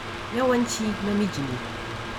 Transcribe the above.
Yawanci namiji ne.